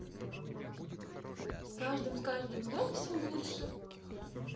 с каждым с каждым днем все лучше